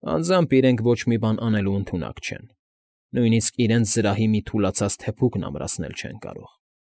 Անձամբ իրենք ոչ մի բան անելու ընդունակ չեն, նույնիսկ իրենց զրահի մի թուլացած թեփուկն ամրացնել չեն կարող։